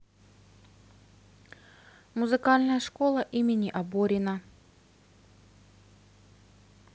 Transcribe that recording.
музыкальная школа имени оборина